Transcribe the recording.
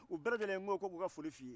u bɛɛ lajɛlen ko ko k'u ka foli fɔ i ye